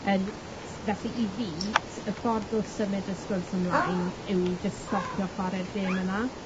Yym. Felly, i fi, s- y ffordd o symud y sgwrs ymlaen yw i jyst stopio chware'r gêm yna.